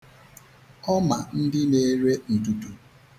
Ọ ma ndị na-ere ndudu .